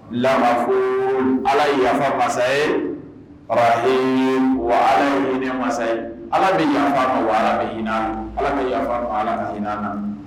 Lamɔ fo ala ye yafa masa ye arahi wa ala ye hinɛmasa ye ala bɛ yafa min hinɛina ala bɛ yafa hinɛan na